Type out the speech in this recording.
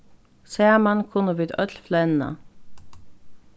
saman kunnu vit øll flenna